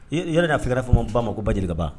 I yɛrɛ ya ye a bi tigɛrɛra fɔ n ba ma . Lo ba jelika ban.